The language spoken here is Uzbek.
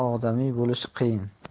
odamiy bo'lish qiyin